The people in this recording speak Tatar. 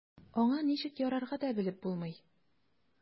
Аңа ничек ярарга да белеп булмый.